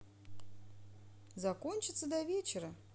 закончится до вечера